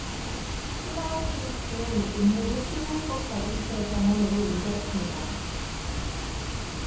클라우디우스는 온몸이 피로 흠뻑 젖은 채 병원으로 옮겨졌습니다